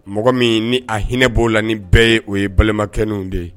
Mɔgɔ min ni a hinɛinɛ b'o la ni bɛɛ ye o ye balimakɛw de ye